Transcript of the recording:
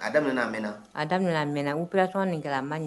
A daminɛ a minɛ a daminɛ a m p nin man